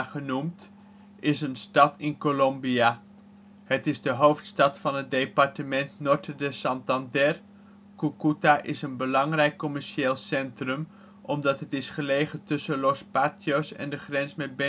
genoemd, is een stad in Colombia. Het is de hoofdstad van het departement Norte de Santander, Cúcuta is een belangrijk commercieel centrum, omdat het is gelegen tussen Los Patios en de grens met